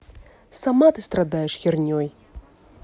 сама ты страдаешь херней